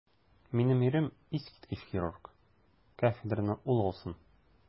Минем ирем - искиткеч хирург, кафедраны ул алсын.